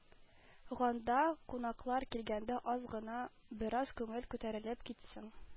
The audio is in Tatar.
Ганда, кунаклар килгәндә аз гына, бераз күңел күтәрелеп китсен